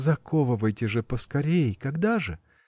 Заковывайте же поскорей; когда же?.